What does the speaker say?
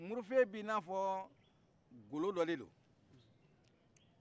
murufe bɛ na fɔ golo dɔ de do